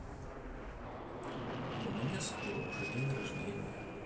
а у меня скоро уже день рождения